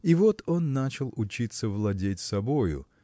И вот он начал учиться владеть собою